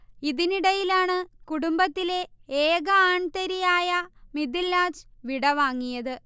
ഇതിനിടയിലാണ് കുടുംബത്തിലെ ഏക ആൺതരിയായ മിദ്ലാജ് വിടവാങ്ങിയത്